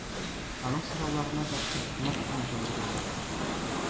Аның сорауларына да кырт-мырт кына җавап бирде.